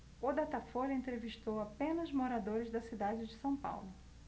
o datafolha entrevistou apenas moradores da cidade de são paulo